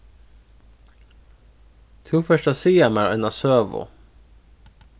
tú fert at siga mær eina søgu